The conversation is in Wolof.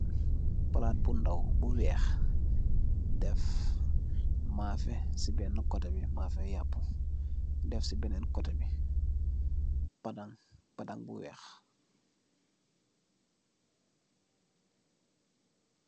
Palat bu ndaw bu wèèx def maafeh ci benna koteh bi, maafeh yapu def ci benin koteh bi padang, padang bu wèèx.